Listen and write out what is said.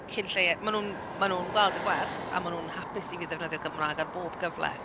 Cyn lleied... Maen nhw'n... Maen nhw'n gweld y gwerth, a maen nhw'n hapus i fi ddefnyddio'r Gymraeg ar bob cyfle.